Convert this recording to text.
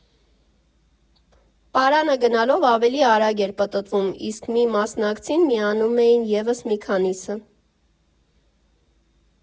Պարանը գնալով ավելի արագ էր պտտվում, իսկ մի մասնակցին միանում էին ևս մի քանիսը։